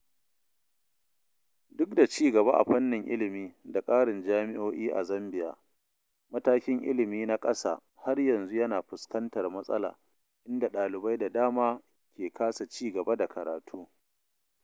Duk da ci gaba a fannin ilimi da ƙarin jami’o’i a Zambiya, matakin ilimi na ƙasa har yanzu yana fuskantar matsala inda ɗalibai da dama ke kasa ci gaba da karatu.